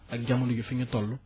ak jamono ji fi ñu toll